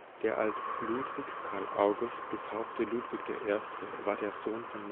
Der als Ludwig Karl August getaufte Ludwig I. war der Sohn von